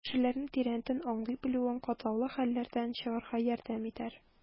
Кешеләрне тирәнтен аңлый белүең катлаулы хәлләрдән чыгарга ярдәм итәр.